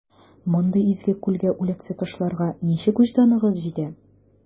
Мондый изге күлгә үләксә ташларга ничек вөҗданыгыз җитә?